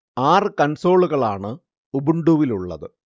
ആറു കൺസോളുകളാണ് ഉബുണ്ടുവിലുള്ളത്